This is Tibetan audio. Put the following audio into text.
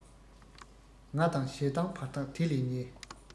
ང དང ཞེ སྡང བར ཐག དེ ལས ཉེ